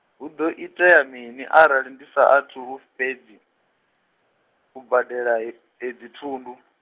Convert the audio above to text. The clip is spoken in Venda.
hu ḓo itea mini arali ndi sa athu u fhedzi, u badela e-, edzi thundu.